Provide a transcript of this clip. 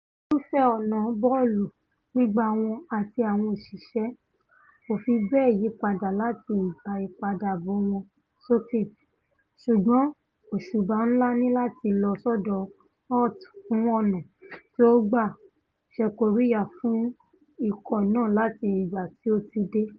Ìrúfẹ ọ̀nà bọ́ọ̀lù gbígbá wọn àti àwọn òṣìṣẹ́ kò fí bẹ́ẹ̀ yípadà láti ìgbà ìpadàbọ̀ wọn sókè, sùgbọn òṣùbà ńlá nilàti lọ́ sọ́dọ̀ Holt fun ọ̀nà tí ó gbà ṣékóríyá fún ikọ̀ náà láti ìgbà tí ò ti dé.